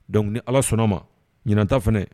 Dɔnkili ala sɔnna ma ɲinanta fana